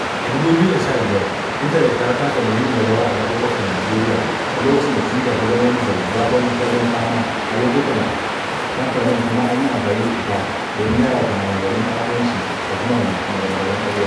A 2015, intanet ta taka muhimmiyar rawa a zaɓuɓɓukan Najeriya a lokacin da Tuwita ta zama wani zazzafan fagen fama a lokutan kamfen kuma an yi amfani da ita domin yayata maganganun ɓatanci da kuma maganganun ƙarya.